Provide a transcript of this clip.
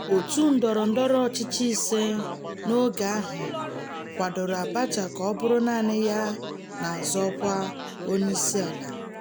Òtù ndọrọ ndọrọ ọchịchị ise n'oge ahụ kwadoro Abacha ka ọ bụrụ naanị ya na-azọ ọkwa onyeisiala.